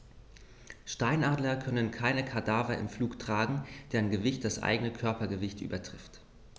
Steinadler können keine Kadaver im Flug tragen, deren Gewicht das eigene Körpergewicht übertrifft.